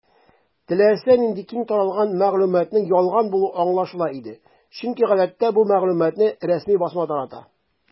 Теләсә нинди киң таралган мәгълүматның ялган булуы аңлашыла иде, чөнки гадәттә бу мәгълүматны рәсми басма тарата.